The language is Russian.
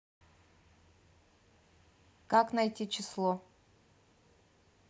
как найти число